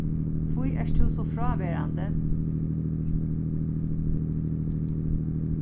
hví ert tú so fráverandi